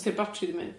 os 'di'r batri 'di mynd?